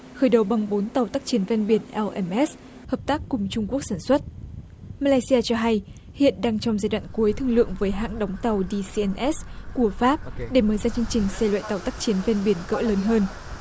khởi đầu bằng bốn tàu tác chiến ven biển eo em ét hợp tác cùng trung quốc sản xuất ma lay si a cho hay hiện đang trong giai đoạn cuối thương lượng với hãng đóng tàu đi xi en ét của pháp để mở ra chương trình xây dựng tàu tác chiến ven biển cỡ lớn hơn